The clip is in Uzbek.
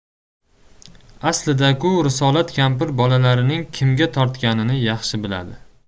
aslida ku risolat kampir bolalarining kimga tortganini yaxshi biladi